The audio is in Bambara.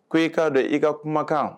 Ko e k'a don i ka kumakan